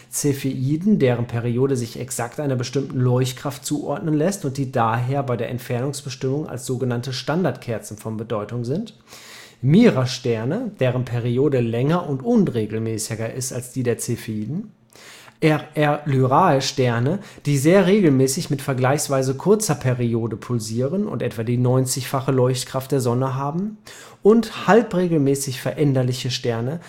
Cepheiden. Ihrer Periode lässt sich exakt eine bestimmte Leuchtkraft zuordnen. Sie sind daher bei der Entfernungsbestimmung als so genannte Standardkerzen von Bedeutung. Mira-Sterne. Ihre Periode ist länger und unregelmäßiger als die der Cepheiden. RR-Lyrae-Sterne. Sie pulsieren sehr regelmäßig mit vergleichsweise kurzer Periode und haben etwa die 90-fache Leuchtkraft der Sonne. Halbregelmäßig veränderliche Sterne